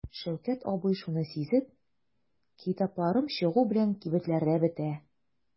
Шәүкәт абый шуны сизеп: "Китапларым чыгу белән кибетләрдә бетә".